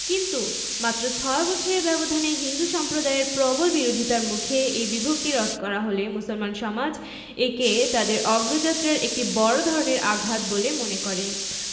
কিন্তু মাত্র ছয় বছরের ব্যবধানে হিন্দু সম্প্রদায়ের প্রবল বিরোধিতার মুখে এ বিভক্তি রদ করা হলে মুসলমান সমাজ একে তাদের অগ্রযাত্রায় একটি বড় ধরনের আঘাত বলে মনে করে